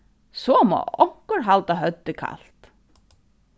so má onkur halda høvdið kalt